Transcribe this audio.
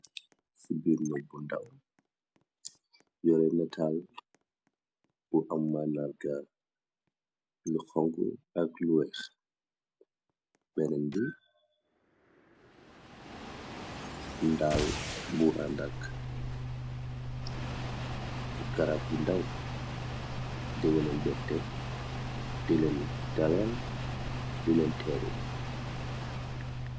Ci biir neeg bu ndaw yorey nataal bu am mandarga lu xonxu ak lu weex beneen bi ndaal bu àndakk garab yu ndaw da wane mbette di leen dala di len teeru.